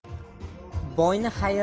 boyni xayrh dedilar